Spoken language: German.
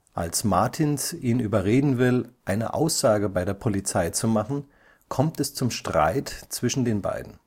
Als Martins ihn überreden will, eine Aussage bei der Polizei zu machen, kommt es zum Streit zwischen den beiden